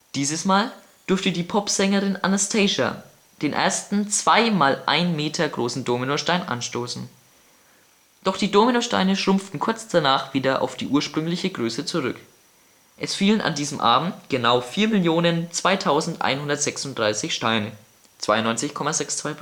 Dieses Mal durfte die Pop-Sängerin Anastacia den ersten 2 mal 1 Meter großen Dominostein anstoßen. Doch die Dominosteine schrumpften kurz danach wieder auf die ursprüngliche Größe zurück. Es fielen an diesem Abend genau 4.002.136 Steine (92,62 %